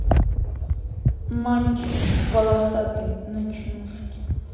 мальчик в полосатой ночнушке